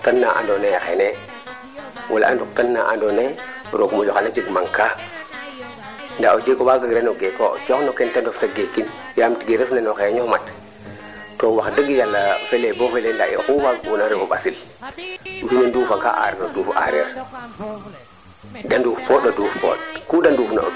bo ndiik o leyfo den rek kaa farna no jafe jafe ke ando naye nuun na njegan no affaire materiel ndiing te ref ke ando naye tenu njalta ax ke ndax nune njega teen probleme gan manquer an ndax probleme a cik nu njega ndax kan njega probleme waa ngaman nuna nuun wala daal nama waagu deme'oor jafe jafe ando naye nu mbaaga no njega daal pour mbaago ngeman ax keene no ndiing affaire machine iin keene yiin